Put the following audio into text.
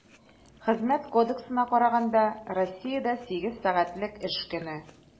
Хезмәт кодексына караганда, Россиядә сигез сәгатьлек эш көне.